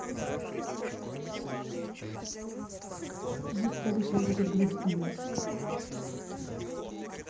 быстро вышла из этой игры дура